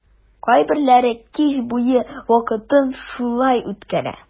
Кайберләре кич буе вакытын шулай үткәрә.